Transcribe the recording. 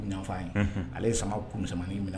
Ye ale sama kunsa minɛ